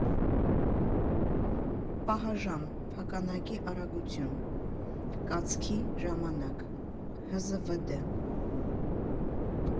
Պահաժամ, փականակի արագություն, կացքի ժամանակ, հզվդ.